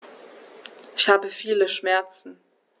Ich habe viele Schmerzen.